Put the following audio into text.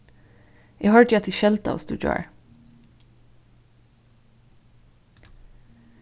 eg hoyrdi at tit skeldaðust í gjár